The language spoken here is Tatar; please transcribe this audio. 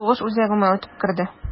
Сугыш үзәгемә үтеп керде...